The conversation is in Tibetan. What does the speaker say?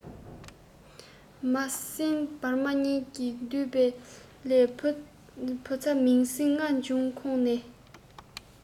མ ས སྲིན འབར མ གཉིས འདུས པ ལས བུ ཚ མིང སྲིང ལྔ བྱུང བའི ཁོངས ནས